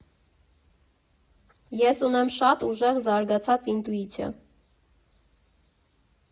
Ես ունեմ շատ ուժեղ զարգացած ինտուիցիա։